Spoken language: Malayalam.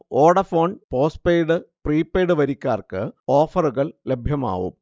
വോഡഫോൺ പോസ്റ്റ്പെയ്ഡ്, പ്രീപെയ്ഡ് വരിക്കാർക്ക് ഓഫറുകൾ ലഭ്യമാവും